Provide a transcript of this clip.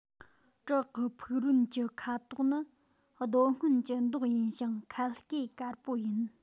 བྲག གི ཕུག རོན གྱི ཁ དོག ནི རྡོ སྔོན ཀྱི མདོག ཡིན ཞིང མཁལ སྐེད དཀར པོ ཡིན